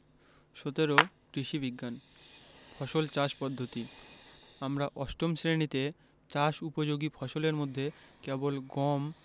১৭ কৃষি বিজ্ঞান ফসল চাষ পদ্ধতি আমরা অষ্টম শ্রেণিতে চাষ উপযোগী ফসলের মধ্যে কেবল গম